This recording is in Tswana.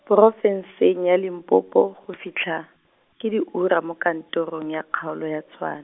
Porofenseng ya Limpopo, go fitlha ke, diura mo kantorong ya kgaolo ya Tshwane.